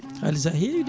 haliss ha heewi de